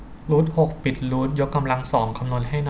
รูทหกปิดรูทยกกำลังสองคำนวณให้หน่อย